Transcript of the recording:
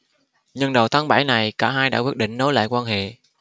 nhưng đầu tháng bảy này cả hai đã quyết định nối lại quan hệ